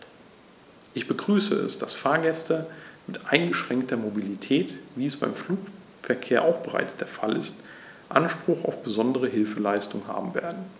Ich begrüße es, dass Fahrgäste mit eingeschränkter Mobilität, wie es beim Flugverkehr auch bereits der Fall ist, Anspruch auf besondere Hilfeleistung haben werden.